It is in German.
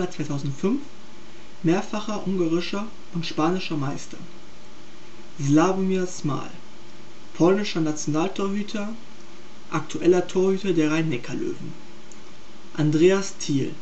2005, mehrfacher ungarischer und spanischer Meister) Sławomir Szmal (polnischer Nationaltorhüter, aktueller Torhüter der Rhein-Neckar Löwen) Andreas Thiel